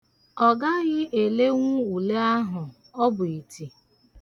Ọ gaghị elenwu ile ahụ, ọ bụ iti.